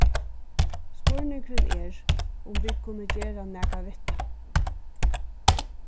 spurningurin er um vit kunnu gera nakað við tað